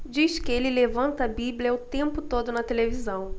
diz que ele levanta a bíblia o tempo todo na televisão